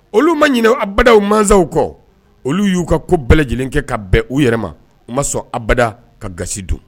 Olu ma ɲinin abadaw masaw kɔ olu y'u ka ko bɛɛ lajɛlen kɛ ka bɛn u yɛrɛ ma u ma sɔn abada ka ga don